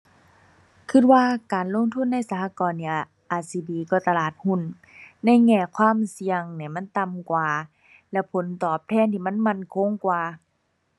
คิดว่าการลงทุนในสหกรณ์เนี่ยอาจสิดีกว่าตลาดหุ้นในแง่ความเสี่ยงนี่มันต่ำกว่า แล้วผลตอบแทนที่มันมั่นคงกว่า